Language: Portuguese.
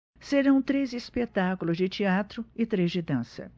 serão três espetáculos de teatro e três de dança